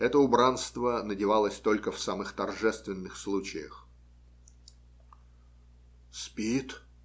Это убранство надевалось только в самых торжественных случаях. - Спит?